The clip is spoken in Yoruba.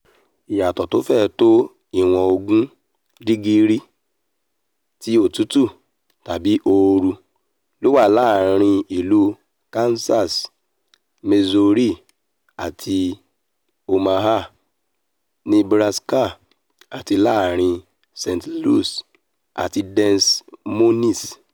Ìyàtọ̀ tó fẹ́rẹ̀ tó ìwọ̀n ogún dìgírì ti otútù tàbí ooru lówà láàrin Ìlú Kansas, Missouri, àti Omaha, Nebraska, àti láàrín St. Louis àti Des Moines.